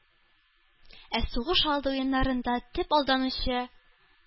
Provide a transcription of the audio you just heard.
Ә сугыш алды уеннарында төп алданучы,